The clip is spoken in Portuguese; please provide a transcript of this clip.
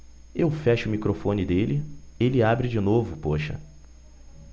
eu fecho o microfone dele ele abre de novo poxa